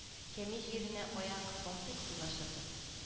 Кәми җиренә аяк басыйк уйлашырбыз